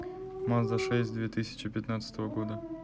мазда шесть две тысячи пятнадцатого года